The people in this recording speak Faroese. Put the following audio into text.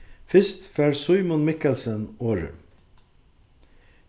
fyrst fær símun mikkelsen orðið